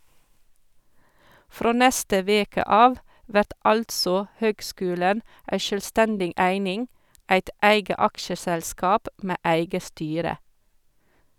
Frå neste veke av vert altså høgskulen ei sjølvstendig eining, eit eige aksjeselskap med eige styre.